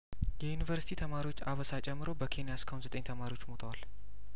የዩኒቨርስቲ ተማሪዎች አበሳ ጨምሮ በኬንያ እስካሁን ዘጠኝ ተማሪዎች ሞተዋል